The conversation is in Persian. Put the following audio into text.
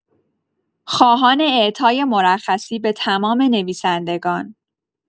خواهان اعطای مرخصی به تمام نویسندگان